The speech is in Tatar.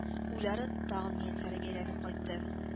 Уйлары тагын Мияссәрәгә әйләнеп кайтты